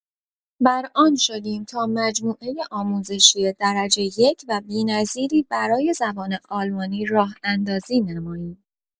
بر آن شدیم تا مجموعه آموزشی درجه یک و بی‌نظیری برای زبان آلمانی راه‌اندازی نماییم.